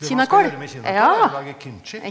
gjøre med kinakål er å lage kimchi.